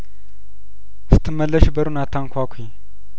ስትመለሺ በሩን አታንኳኲ